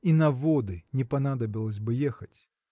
и на воды не понадобилось бы ехать.